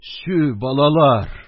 — чү, балалар..